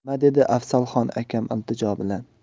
nima dedi afzalxon akam ham iltijo bilan